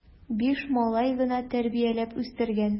Биш малай гына тәрбияләп үстергән!